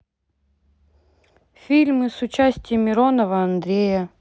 фильмы с участием миронова андрея